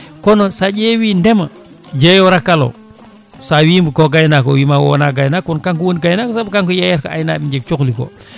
kono sa ƴeewi ndeema jeeyowo rakkal o sa wiimo ko gaynako o wiima o woona gaynako kono ko kanko woni gaynako saabu ko kanko yeeyata ko aynaɓe jeeyi cohli ko